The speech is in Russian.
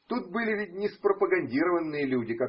Тут были ведь не спропагандированные люди.